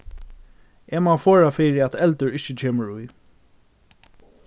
eg má forða fyri at eldur ikki kemur í